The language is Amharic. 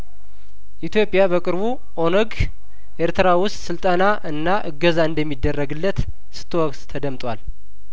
ኢትዮጵያ በቅርቡ ኦነግ ኤርትራ ውስት ስልጠና እና እገዛ እንደሚደረግለት ስትወቅስ ተደምጧል